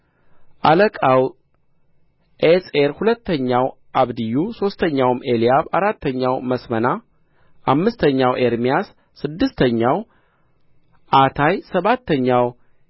አለቃው ዔጼር ሁለተኛው አብድዩ ሦስተኛው ኤልያብ አራተኛው መስመና አምስተኛው ኤርምያስ ስድስተኛው አታይ ሰባተኛው